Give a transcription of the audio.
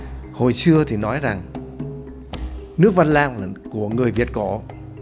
hồi xưa thì nói rằng nước văn lang của người việt cổ